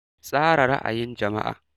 Tsara Ra'ayin Jama'a